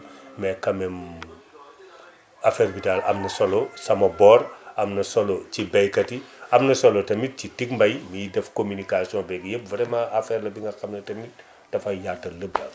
mais quand même affaire bi daal am na solo sama boor am na solo ci baykat yi am na solo tamit ci Ticmbay miy def communication beeg yëpp vraiment affaire la bi nga xam ne tamit dafay yaatal lépp daal